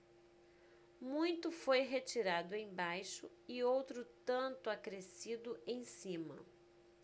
muito foi retirado embaixo e outro tanto acrescido em cima